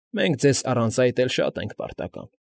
Մենք ձեզ առանց այդ էլ շատ ենք պարտական։